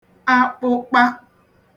akpụkpa